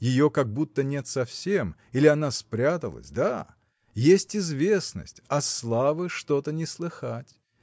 ее как будто нет совсем, или она спряталась – да! Есть известность а славы что-то не слыхать